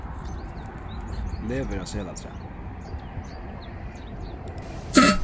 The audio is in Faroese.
lega er á selatrað